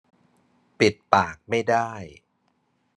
ปิดปากไม่ได้